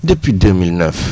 depuis 2009